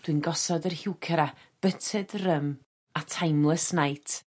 dwi'n gosod yr heuchera butter drum a timeless night